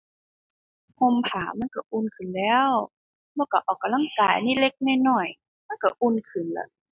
ห่มผ้ามันก็อุ่นขึ้นแล้ว ก็ก็ออกกำลังกายเล็กเล็กน้อยน้อย มันก็อุ่นขึ้นล่ะ